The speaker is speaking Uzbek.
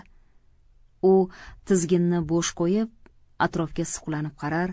u tizginni bo'sh qo'yib atrofga suqlanib qarar